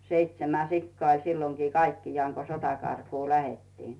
seitsemän sikaa oli silloinkin kaikkiaan kun sotakarkuun lähdettiin